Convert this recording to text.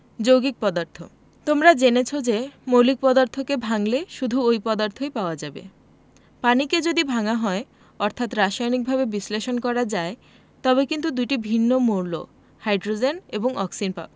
যৌগিক পদার্থ তোমরা জেনেছ যে মৌলিক পদার্থকে ভাঙলে শুধু ঐ পদার্থই পাওয়া যাবে পানিকে যদি ভাঙা হয় অর্থাৎ রাসায়নিকভাবে বিশ্লেষণ করা যায় তবে কিন্তু দুটি ভিন্ন মৌল হাইড্রোজেন ও অক্সিজেন